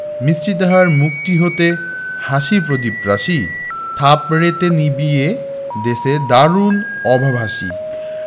মিষ্টি তাহার মুখটি হতে হাসির প্রদীপ রাশি থাপড়েতে নিবিয়ে দেছে দারুণ অভাব আসি